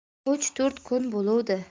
uch to'rt kun bo'luvdi